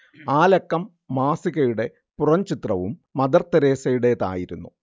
ആ ലക്കം മാസികയുടെ പുറംചിത്രവും മദർതെരേസയുടേതായിരുന്നു